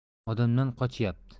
odamdan qochyapti